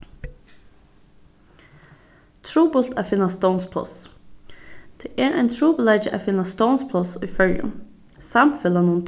trupult at finna stovnspláss tað er ein trupulleika at finna stovnspláss í føroyum samfelagnum